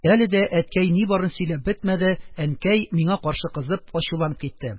Әле дә әткәй ни барын сөйләп бетмәде, әнкәй, миңа каршы кызып, ачуланып китте: